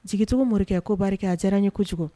Jigitugu morikɛ ko barika a diyara n ye kojugu!